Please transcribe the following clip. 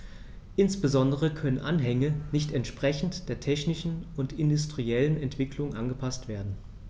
Insbesondere können Anhänge nicht entsprechend der technischen und industriellen Entwicklung angepaßt werden.